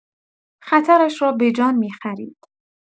خطرش را به جان می‌خرید.